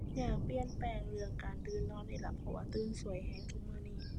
อยากเปลี่ยนแปลงเรื่องการตื่นนอนนี่ล่ะ เพราะว่าตื่นสายสายซุมื้อนี่